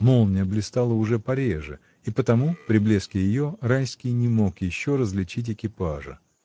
Молния блистала уже пореже, и потому, при блеске ее, Райский не мог еще различить экипажа.